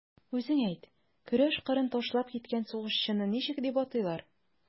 Үзең әйт, көрәш кырын ташлап киткән сугышчыны ничек дип атыйлар?